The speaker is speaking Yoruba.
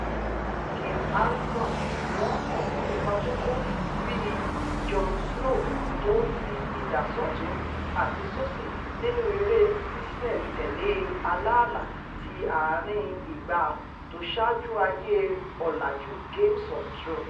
Kit Harrington níwọ́n mọ̀ fún ipa tókó bíi Jon Snow tó ńfi idà sọ́ọ̀tún àti sósì nínú eré ṣíṣẹ̀-n-tẹ̀lé aláàlá ti ààrin ìgbà tósaáju ayé ọ̀lájú Games of Thrones.